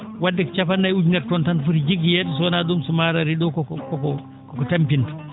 wadde ko cappan?e nayi ujunere tonnes tan foti jiggoyeede so wonaa ?um so maaro arii ?o koko koko koko tampinta